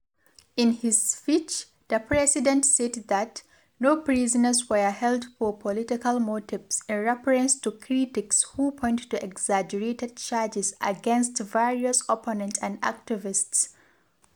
In his speech, the president said that “no prisoners were held for political motives,” in reference to critics who point to exaggerated charges against various opponents and activists.